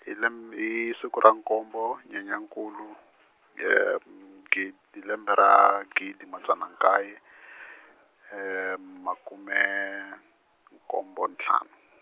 -helim hi siku ra nkombo Nyenyankulu, gidi hi lembe ra, gidi madzana nkaye , makume, nkombo ntlhanu.